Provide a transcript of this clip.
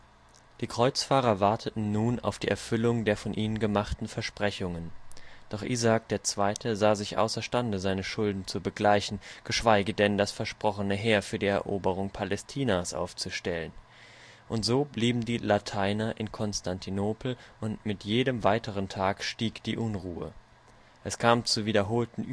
Kreuzfahrer warteten nun auf die Erfüllung der ihnen gemachten Versprechungen. Doch Isaak II. sah sich außer Stande, seine Schulden zu begleichen, geschweige denn das versprochene Heer für die Eroberung Palästinas aufzustellen. Und so blieben die " Lateiner " in Konstantinopel, und mit jedem weiteren Tag stieg die Unruhe. Es kam zu wiederholten